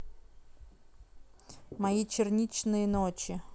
мои черничные ночи